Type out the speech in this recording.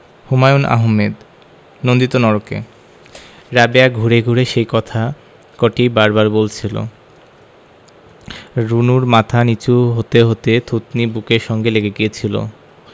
হুমায়ুন আহমেদ নন্দিত নরকে রাবেয়া ঘুরে ঘুরে সেই কথা কটিই বার বার বলছিলো রুনুর মাথা নীচু হতে হতে থুতনি বুকের সঙ্গে লেগে গিয়েছিলো